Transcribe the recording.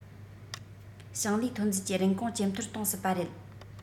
ཞིང ལས ཐོན རྫས ཀྱི རིན གོང ཇེ མཐོར གཏོང སྲིད པ རེད